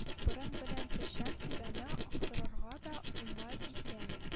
Борын белән печән кибәне актарырга да уңай икән